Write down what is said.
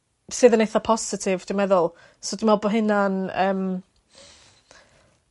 sydd yn eitha positif dwi meddwl. So dwi me'wl bo' hynna'n yym